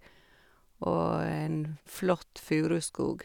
Og en flott furuskog.